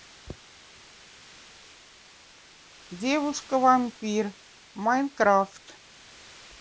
девушка вампир в майнкрафт